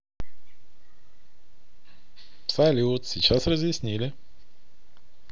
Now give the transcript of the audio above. салют сейчас разъяснили